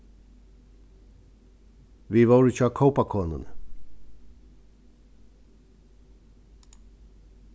vit vóru hjá kópakonuni